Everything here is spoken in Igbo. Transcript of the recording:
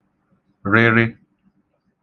-rịrị